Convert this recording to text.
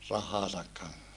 rahojensa kanssa